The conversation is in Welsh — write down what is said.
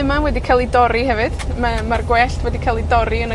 yma wedi ca'l 'i dorri hefyd, ma', ma'r gwellt wedi ca'l 'i dorri yn y